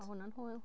Oedd hwnna'n hwyl?